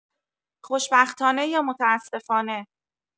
خوشبختانه یا متاسفانه؟